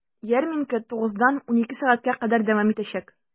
Ярминкә 9 дан 12 сәгатькә кадәр дәвам итәчәк.